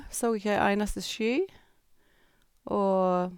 Så ikke en eneste sky, og...